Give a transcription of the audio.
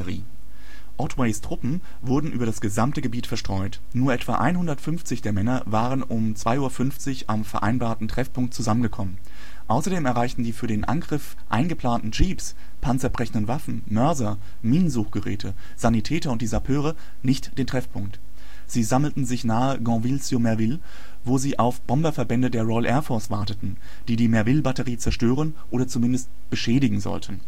Otways Truppen wurden über das gesamte Gebiet verstreut. Nur etwa 150 der Männer waren um 02:50 Uhr am vereinbarten Treffpunkt zusammengekommen. Außerdem erreichten die für den Angriff eingeplanten Jeeps, panzerbrechenden Waffen, Mörser, Minensuchgeräte, Sanitäter und die Sappeure nicht den Treffpunkt. Sie sammelten sich nahe Gonneville-sur-Merville, wo sie auf Bomberverbände der Royal Air Force warteten, die die Merville Batterie zerstören oder zumindest beschädigen sollten